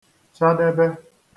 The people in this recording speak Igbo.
-chadebē